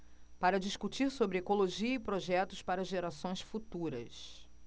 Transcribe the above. para discutir sobre ecologia e projetos para gerações futuras